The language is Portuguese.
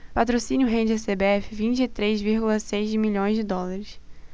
patrocínio rende à cbf vinte e três vírgula seis milhões de dólares